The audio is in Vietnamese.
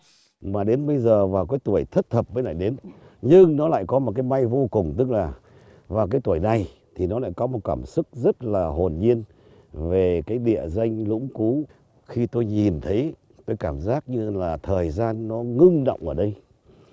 mà đến bây giờ vào cái tuổi thất thập mới lại đến nhưng nó lại có một cái bay vô cùng tức là vào cái tuổi này thì nó lại có một cảm xúc rất là hồn nhiên về cái địa danh lũng cú khi tôi nhìn thấy tôi cảm giác như là thời gian nó ngưng đọng ở đây